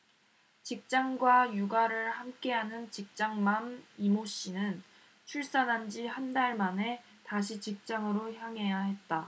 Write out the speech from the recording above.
직장과 육아를 함께하는 직장맘 이모씨는 출산한지 한 달 만에 다시 직장으로 향해야 했다